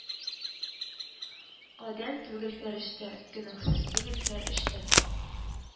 Адәм түгел фәрештә - гөнаһсыз түгел һәр эштә